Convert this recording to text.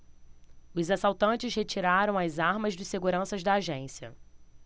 os assaltantes retiraram as armas dos seguranças da agência